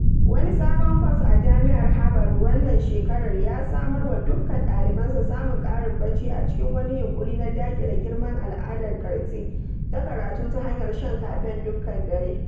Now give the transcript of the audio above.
Wani sabon kwas a Jami’ar Harvard wannan shekarar ya samar wa dukkan ɗalibansa samun ƙarin barci a cikin wani yinƙuri na daƙile girman al’adar ƙarti ta karatu ta hanyar shan kafen ‘dukkan dare.’